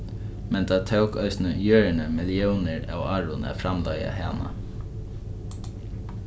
men tað tók eisini jørðini milliónir av árum at framleiða hana